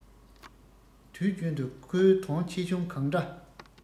དུས རྒྱུན དུ ཁོས དོན ཆེ ཆུང གང འདྲ